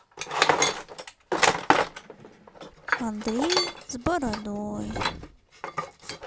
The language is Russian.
андрей с бородой